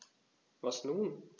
Was nun?